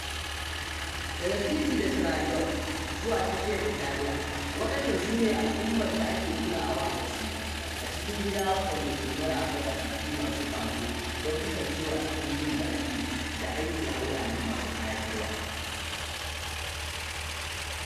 Daga Fiji da Sierra Leone zuwa tsakiyar Italiya, waɗannan su ne al’ummar da ake kulawa da su a gida waɗanda ke maraba da baƙi masu ƙwazo don kasan cewa cikin jin daɗi da aiki a wurare masu ƙayatarwa.